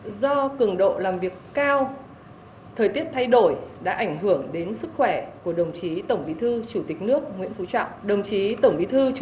do cường độ làm việc cao thời tiết thay đổi đã ảnh hưởng đến sức khỏe của đồng chí tổng bí thư chủ tịch nước nguyễn phú trọng đồng chí tổng bí thư chủ